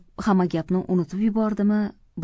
hamma gapni unutib yubordimi